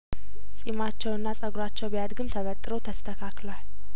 ጺማቸውና ጹጉራቸው ቢያድግም ተበጥሮ ተስተካክሏል